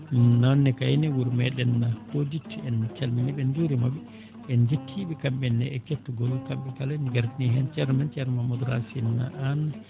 noon ne kayne wuro meeɗen koodit en calminii ɓe en njuuriima ɓe en njettii ɓe kamɓe ne e kettagol kamɓe kala en ngardini ceerno men ceerno Mamadou Racine Anne